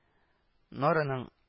Нораның